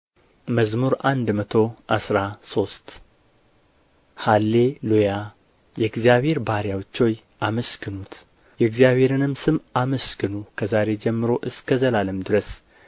መዝሙር መቶ አስራ ሶስት ሃሌ ሉያ የእግዚአብሔር ባሪያዎች ሆይ አመስግኑት የእግዚአብሔርንም ስም አመስግኑ ከዛሬ ጀምሮ እስከ ዘላለም ድረስ